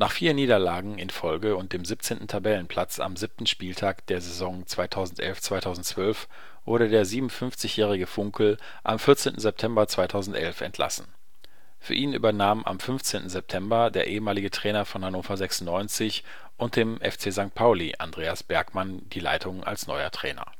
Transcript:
vier Niederlagen in Folge und dem 17. Tabellenplatz am siebten Spieltag der Saison 2011/12 wurde der 57-Jährige Funkel am 14. September 2011 entlassen. Für ihn übernahm am 15. September der ehemalige Trainer von Hannover 96 und dem FC St. Pauli, Andreas Bergmann, die Leitung als neuer Trainer